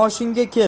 moshinga kel